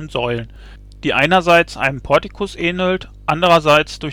Säulen, die einerseits einem Portikus ähnelt, anderseits